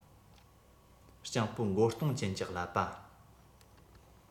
སྤྱང པོ མགོ སྟོང ཅན གྱི ཀླད པ